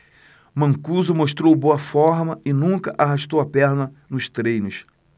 mancuso mostrou boa forma e nunca arrastou a perna nos treinos